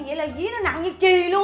nghĩa là vía nó nặng như chì luôn